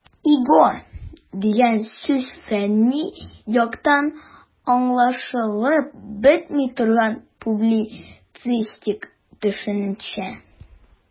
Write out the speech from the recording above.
"иго" дигән сүз фәнни яктан аңлашылып бетми торган, публицистик төшенчә.